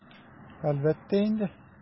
Әлбәттә инде!